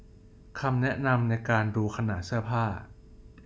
คำแนะนำในการดูขนาดเสื้อผ้า